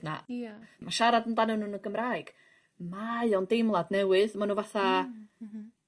'na... Ia. ...ma' siarad amdanyn nhw yn y Gymraeg mae o'n deimlad newydd ma' nw fatha... Mmm m-hm.